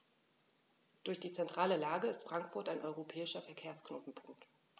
Durch die zentrale Lage ist Frankfurt ein europäischer Verkehrsknotenpunkt.